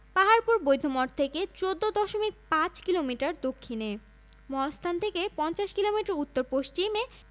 বাৎসরিক জনসংখ্যা বৃদ্ধির হার ১দশমিক তিন নয় পুরুষ ও নারীর আনুপাতিক সংখ্যা ১০৪ অনুপাত ১০০ শহুরে জনসংখ্যা ৩৭দশমিক ৪ মিলিয়ন